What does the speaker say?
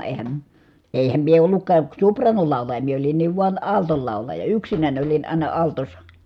eihän eihän minä ollutkaan sopraanolaulaja minä olinkin vain altto laulaja yksinäni olin aina altossa